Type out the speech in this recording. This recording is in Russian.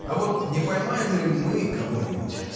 А вот не поймаем ли мы кого-нибудь?